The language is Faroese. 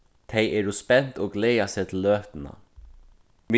tey eru spent og gleða seg til løtuna